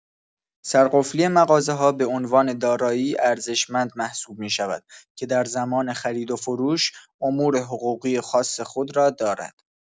سرقفلی مغازه‌ها به عنوان دارایی ارزشمند محسوب می‌شود که در زمان خرید و فروش امور حقوقی خاص خود را دارد.